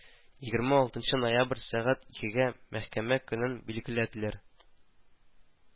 Егерме алтынчы ноябрь, сәгать икегә мәхкәмә көнен билгеләделәр